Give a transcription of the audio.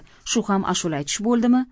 shu ham ashula aytish bo'ldimi